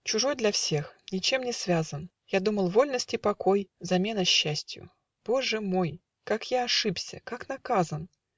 Чужой для всех, ничем не связан, Я думал: вольность и покой Замена счастью. Боже мой! Как я ошибся, как наказан.